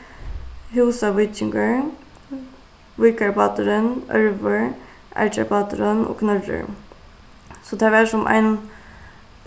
húsavíkingur víkarbáturin ørvur argjabáturin og knørrur so tað var sum ein